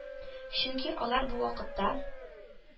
Чөнки алар бу вакытта